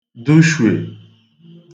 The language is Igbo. dushwe